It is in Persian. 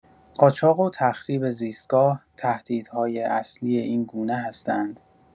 قاچاق و تخریب زیستگاه، تهدیدهای اصلی این گونه هستند.